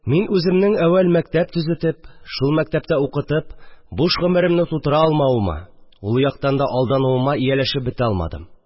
Мин үземнең әүвәл мәктәп төзетеп, шул мәктәптә укытып, буш гомеремне тутыра алмавыма, ул яктан да алдануыма ияләшеп бетә алмадым